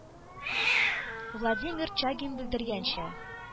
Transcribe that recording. Владимир Чагин белдергәнчә,